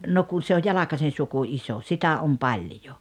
no kun se on Jalkasen suku iso sitä on paljon